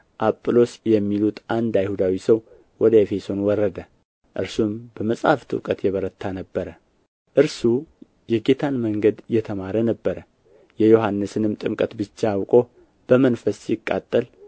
አጵሎስ የሚሉት አንድ አይሁዳዊ ሰው ወደ ኤፌሶን ወረደ እርሱም በመጻሕፍት እውቀት የበረታ ነበረ እርሱ የጌታን መንገድ የተማረ ነበረ የዮሐንስንም ጥምቀት ብቻ አውቆ በመንፈስ ሲቃጠል